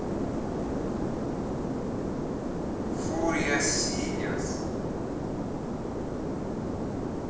фурия sinners